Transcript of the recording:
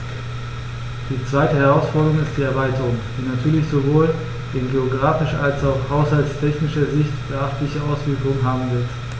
Die zweite Herausforderung ist die Erweiterung, die natürlich sowohl in geographischer als auch haushaltstechnischer Sicht beachtliche Auswirkungen haben wird.